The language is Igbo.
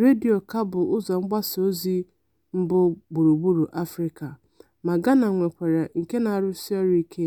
Redio ka bụ ụzọ mgbasaozi mbụ gburugburu Afrịka, ma Ghana nwekwara nke na-arụsi ọrụ ike